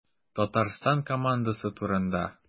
Татарстан командасы турында.